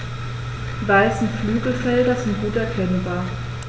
Die weißen Flügelfelder sind gut erkennbar.